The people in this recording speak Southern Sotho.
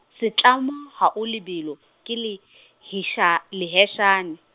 Setlamo ha o lebelo, ke le , hesha- leheshane.